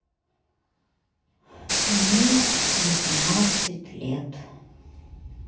мне восемнадцать лет